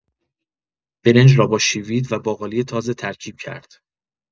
برنج را با شوید و باقالی تازه ترکیب کرد.